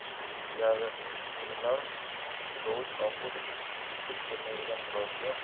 ilgarilar hurkovich ohudek tutqich bermaydigan robiya